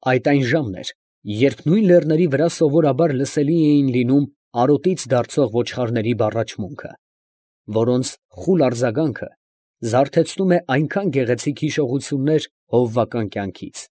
Այդ այն ժամն էր, երբ նույն լեռների վրա սովորաբար լսելի էին լինում արոտից դարձող ոչխարների բառաչմունքը, որոնց խուլ արձագանքը զարթեցնում է այնքան գեղեցիկ հիշողություններ հովվական կյանքից։